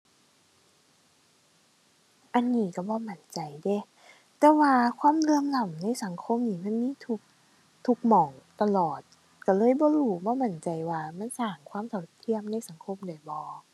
อันนี้ก็บ่มั่นใจเดะ แต่ว่าความเหลื่อมล้ำในสังคมนี่มันมีทุก ทุกหม้อง ตลอด ก็เลยบ่รู้ บ่มั่นใจว่ามันสร้างความเท่าเทียมในสังคมได้บ่